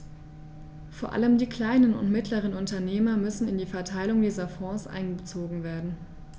Vor allem die kleinen und mittleren Unternehmer müssen in die Verteilung dieser Fonds einbezogen werden.